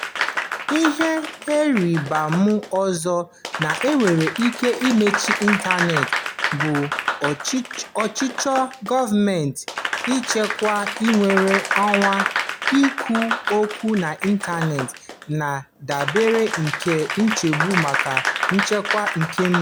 Ihe ịrịbaama ọzọ na e nwere ike imechi ịntaneetị bụ ọchịchọ gọọmentị ịchịkwa nnwere onwe ikwu okwu n'ịntaneetị na ndabere nke nchegbu maka nchekwa kemba.